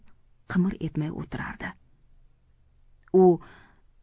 qimir etmay o'tirardi